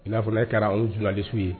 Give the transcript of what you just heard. I n'a fɔ n'a kɛra anw journalistes ye.